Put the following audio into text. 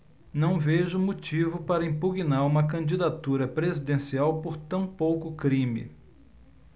não vejo motivo para impugnar uma candidatura presidencial por tão pouco crime